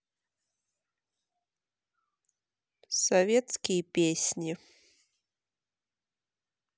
советские песни